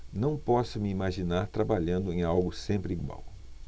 não posso me imaginar trabalhando em algo sempre igual